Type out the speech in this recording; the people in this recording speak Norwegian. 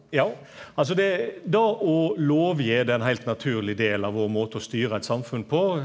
ja altså det å lovgje det er ein heilt naturleg del av vår måte å styre eit samfunn på.